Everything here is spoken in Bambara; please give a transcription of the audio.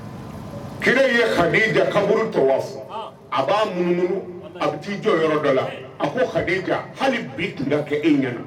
Kelen ye ha kab a b'aunu a bɛ jɔ yɔrɔ dɔ la a hali bi tun kɛ e ɲɛna